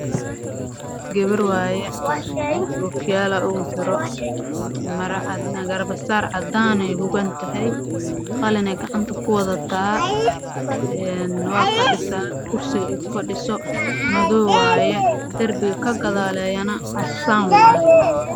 Meeshaan waxaa ka muuqdo gabar ookiyaalo wadato